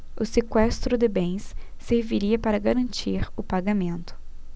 o sequestro de bens serviria para garantir o pagamento